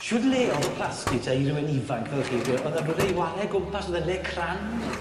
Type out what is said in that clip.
Shwd le o'dd y plasty te i rywun ifanc fel chi pry... o'dd yn rywle i ware o gwmpas o'dd e'n le crand?